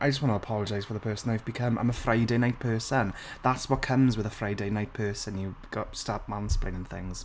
I just want to apologise for the person I've become. I'm a Friday night person, that's what comes with a Friday night person you've got to stop mansplaining things.